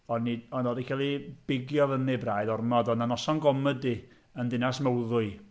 O'n i... oedd o 'di cael ei bigio fyny braidd ormod. Oedd yna noson gomedi yn Dinas Mawddwy.